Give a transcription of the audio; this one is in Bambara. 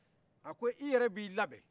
a ko i yɛrɛ b'i labɛn